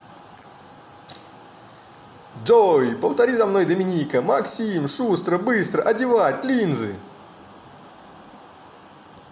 джой повтори за мной доминика максим шустро быстро одевать линзы